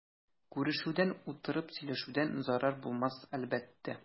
Күрешүдән, утырып сөйләшүдән зарар булмас әлбәттә.